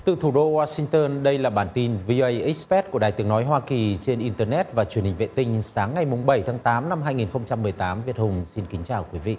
từ thủ đô oa sinh tơn đây là bản tin vi ây ích xờ pét của đài tiếng nói hoa kỳ trên in tơ nét và truyền hình vệ tinh sáng ngày mùng bảy tháng tám năm hai nghìn không trăm mười tám việt hùng xin kính chào quý vị